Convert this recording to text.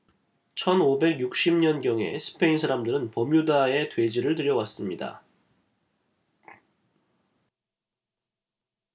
천 오백 육십 년경에 스페인 사람들은 버뮤다에 돼지를 들여왔습니다